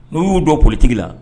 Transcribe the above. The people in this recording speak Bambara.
N'u y'u don politique la